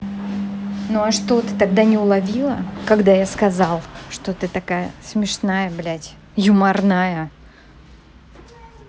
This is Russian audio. ну а что ты тогда не уловила когда я сказал что ты такая смешная блядь юморная